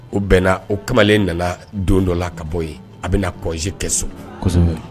U bɛnna o kamalen nana don dɔ la ka bɔ ye a bena congé kɛ so kosɛbɛ